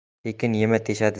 tekin yema teshadi